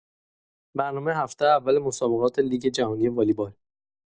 برنامه هفته اول مسابقات لیگ جهانی والیبال